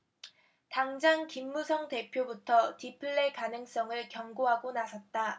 당장 김무성 대표부터 디플레 가능성을 경고하고 나섰다